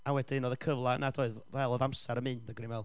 A wedyn oedd y cyfle 'na doedd, fel oedd amser yn mynd, ag o'n i'n meddwl,